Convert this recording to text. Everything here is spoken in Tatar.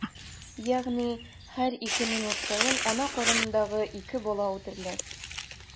Ягъни һәр ике минут саен ана карынындагы ике бала үтерелә.